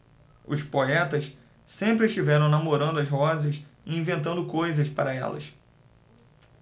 os poetas sempre estiveram namorando as rosas e inventando coisas para elas